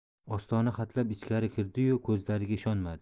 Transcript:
ostona xatlab ichkari kirdi yu ko'zlariga ishonmadi